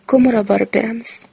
ko'mir oborib beramiz